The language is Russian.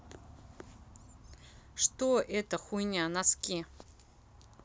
что это хуйня носки